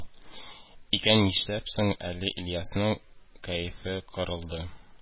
Икән, нишләп соң әле ильясның кәефе кырылды